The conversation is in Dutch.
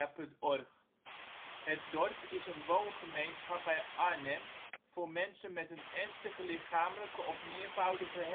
OL Het Dorp is een woongemeenschap bij Arnhem voor mensen met een ernstige lichamelijke of meervoudige